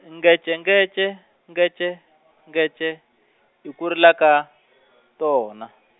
ngece ngece, ngece, ngece, i ku rila ka, tona.